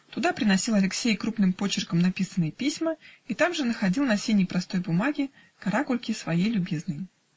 Туда приносил Алексей крупным почерком написанные письма и там же находил на синей простой бумаге каракульки своей любезной.